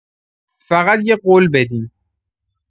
فقط یه قول بدیم.